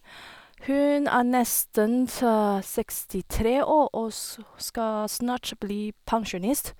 Hun er nesten t sekstitre år og så skal snart bli pensjonist.